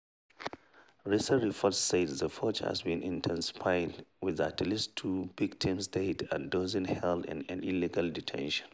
Recent reports said the purge has been intensifying, with at least two victims dead and dozens held in illegal detention.